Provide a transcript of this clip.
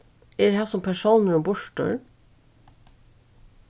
er hasin persónurin burtur